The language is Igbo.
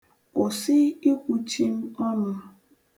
Kwụsị ikwuchi m ọnụ.